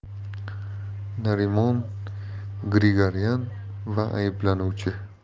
narimon grigoryan va ayblanuvchi